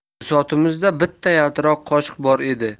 bisotimizda bitta yaltiroq qoshiq bor edi